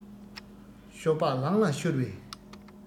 ཤོ སྦག ལང ལ ཤོར པའི